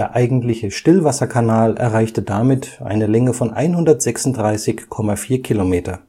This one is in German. eigentliche Stillwasserkanal erreichte damit eine Länge von 136,4 km